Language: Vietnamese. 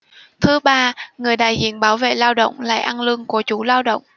thứ ba người đại diện bảo vệ lao động lại ăn lương của chủ lao động